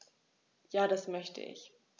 Ja, das möchte ich.